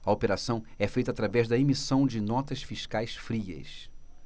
a operação é feita através da emissão de notas fiscais frias